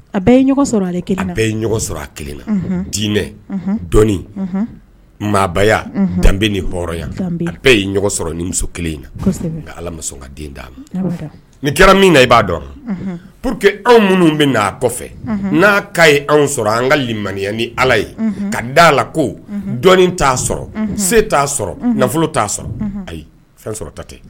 A bɛɛ a bɛɛ ye sɔrɔ a kelen na diinɛ dɔnnii maaya danbebe ni hɔrɔnya a bɛɛ ye sɔrɔ ni muso kelen in na ka ala muso ka den d'a ma n'i kɛra min na i b'a dɔn pour que anw minnu bɛ na' a kɔfɛ n'a'a ye anw sɔrɔ an ka limaniya ni ala ye ka da la ko dɔn t'a sɔrɔ se t'a sɔrɔ nafolo t'a sɔrɔ ayi fɛn sɔrɔ ta tɛ